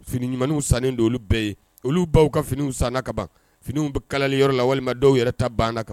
Fini ɲumanw sannen don olu bɛɛ ye olu baw ka finiw san kaban finiw bɛ kalali yɔrɔ la walima dɔw yɛrɛ ta banna kama